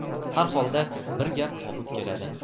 har holda bir gap topib keladi